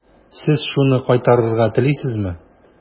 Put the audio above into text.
Сез шуны кайтарырга телисезме?